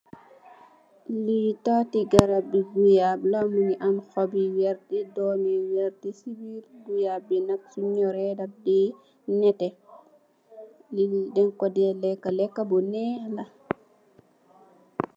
Lee tate garab bu guyap la muge am xoop yu werte doom yu werte se birr guyap be nak su njureh def de neteh neet ye dang ku de leka leka bu nekh la.